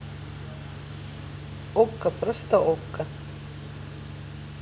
okko просто okko